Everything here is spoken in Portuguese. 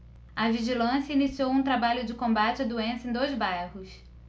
a vigilância iniciou um trabalho de combate à doença em dois bairros